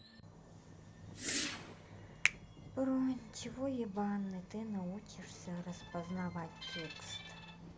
бронь чего ебаный ты научишься распознавать текст